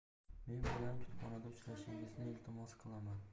men bilan kutubxonada uchrashingizni iltimos qilaman